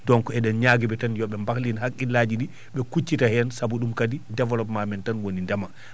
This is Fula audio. donc eɗen ñagiiɓe tan yoɓe bahlit haqillaji ɗi ɓe kuccita heen sabu ko ɗum kadi développement men tan woni ndema